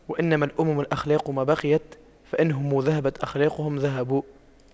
وإنما الأمم الأخلاق ما بقيت فإن هم ذهبت أخلاقهم ذهبوا